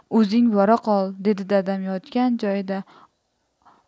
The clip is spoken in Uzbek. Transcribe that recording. o'zing bora qol dedi dadam yotgan joyida